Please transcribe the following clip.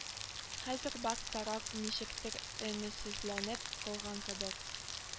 Хәзер бар тараф ничектер өнесезләнеп калган кебек